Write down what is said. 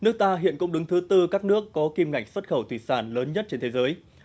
nước ta hiện cũng đứng thứ tư các nước có kim ngạch xuất khẩu thủy sản lớn nhất trên thế giới